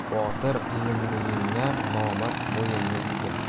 botir qiyinni yengar nomard bo'yinni egar